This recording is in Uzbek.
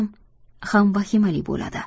ham vahimali bo'ladi